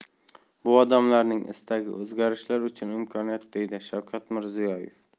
bu odamlarning istagi o'zgarishlar uchun imkoniyat dedi shavkat mirziyoyev